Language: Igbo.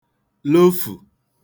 lofù